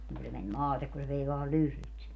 niin kun se meni maate kun se vei vain lyhdyt sinne